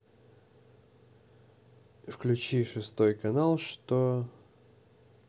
включи шестой канал что